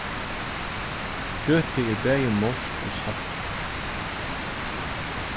kjøtið er bæði moyrt og saftigt